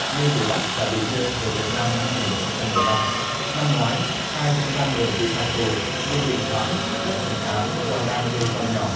nhưng bị bắt và bị đưa về việt nam năm hai nghìn không trăm mười lăm năm ngoái hai trong ba người bị phạt tù nhưng bị hoãn chấp hành án do đang nuôi con nhỏ